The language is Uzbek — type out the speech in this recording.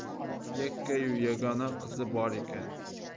yakkayu yagona qizi bor ekan